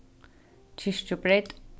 kirkjubreyt